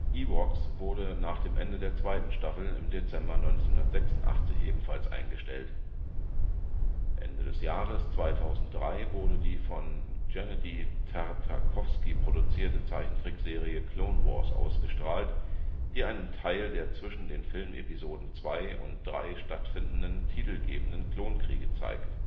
Ewoks wurde nach dem Ende der zweiten Staffel im Dezember 1986 ebenfalls eingestellt. Ende des Jahres 2003 wurde die von Genndy Tartakovsky produzierte Zeichentrickserie Clone Wars ausgestrahlt, die einen Teil der zwischen den Filmepisoden II und III stattfindenden, titelgebenden Klonkriege zeigt